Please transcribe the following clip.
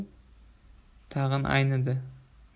tag'in aynidi